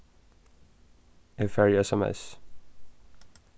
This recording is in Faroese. eg fari í sms